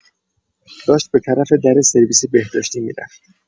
داشت به‌طرف در سرویس بهداشتی می‌رفت.